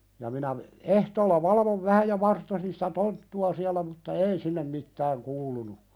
ja minä ehtoolla valvoin vähän ja vartosin sitä tonttua siellä mutta ei sinne mitään kuulunut